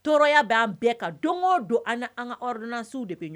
Tɔɔrɔya b'an bɛɛ kan don o don an ni an ka ordonnances do